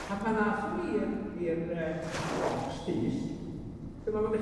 A pan ddath o i'r i'r yy bocs llys, dyma fo'n